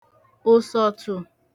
ụ̀sọ̀tụ̀